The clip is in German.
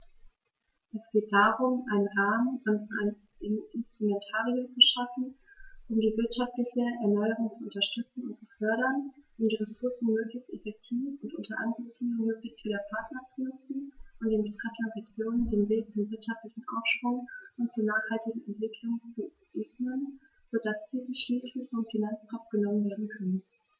Es geht darum, einen Rahmen und ein Instrumentarium zu schaffen, um die wirtschaftliche Erneuerung zu unterstützen und zu fördern, um die Ressourcen möglichst effektiv und unter Einbeziehung möglichst vieler Partner zu nutzen und den betreffenden Regionen den Weg zum wirtschaftlichen Aufschwung und zur nachhaltigen Entwicklung zu ebnen, so dass diese schließlich vom Finanztropf genommen werden können.